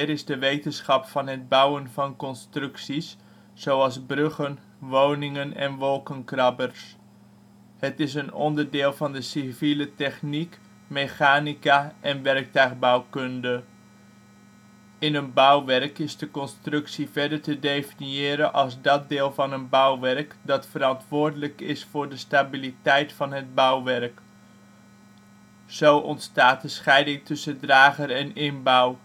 is de wetenschap van het bouwen van constructies, zoals bruggen, woningen en wolkenkrabbers. Het is een onderdeel van de civiele techniek, mechanica en werktuigbouwkunde. In een bouwwerk is de constructie (drager) verder te definiëren als dat deel van een bouwwerk dat verantwoordelijk is voor de stabiliteit van het bouwwerk. Zo ontstaat de scheiding tussen drager en inbouw